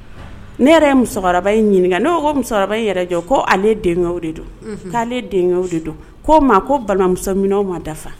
Ne yɛrɛ ye musokɔrɔba ɲini ne ko musokɔrɔba in yɛrɛ jɔ ko ale k'ale don ko balimamusomin ma dafa